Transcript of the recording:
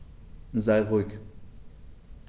Sei ruhig.